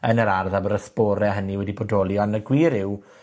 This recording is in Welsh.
yn yr ardd a bod y sbore hynny wedi bodoli ond yn y gwir yw,